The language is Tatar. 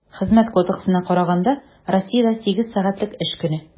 Хезмәт кодексына караганда, Россиядә сигез сәгатьлек эш көне.